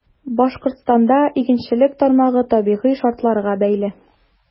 Башкортстанда игенчелек тармагы табигый шартларга бәйле.